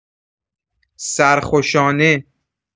سرخوشانه